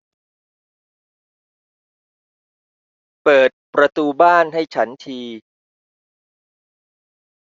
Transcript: เปิดประตูบ้านให้ฉันที